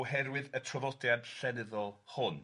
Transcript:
Oherwydd y traddodiad llenyddol hwn.